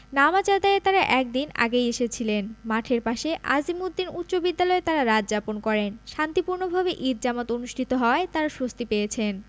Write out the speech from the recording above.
নামাজ আদায়ে তাঁরা এক দিন আগেই এসেছিলেন মাঠের পাশে আজিমুদ্দিন উচ্চবিদ্যালয়ে তাঁরা রাত যাপন করেন শান্তিপূর্ণভাবে ঈদ জামাত অনুষ্ঠিত হওয়ায় তাঁরা স্বস্তি পেয়েছেন